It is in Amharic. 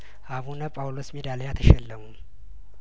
አቡነ ጳውሎስ ሜዳሊያ ተሸለሙ